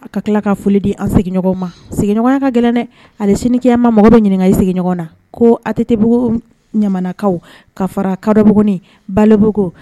A ka tila ka foli di an sigiɲɔgɔn ma sigiɲɔgɔnya ka gɛlɛn dɛ ale siniya ma mɔgɔ bɛ ɲininka i sigiɲɔgɔn na ko a tɛ tɛbugu ɲamanakaw ka fara kadɔugun balɛbuguko